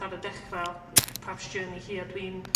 ...ar y dechra o yyy praps journey hi a dwi'n